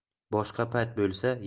boshqa payt bo'lsa